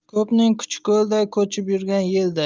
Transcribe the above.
ko'pning kuchi ko'lday ko'chib yurgan yelday